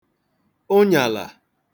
ụnyàlà